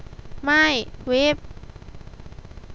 ไม่วิป